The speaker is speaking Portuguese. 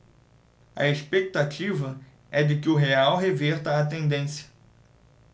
a expectativa é de que o real reverta a tendência